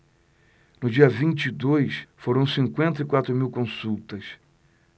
no dia vinte e dois foram cinquenta e quatro mil consultas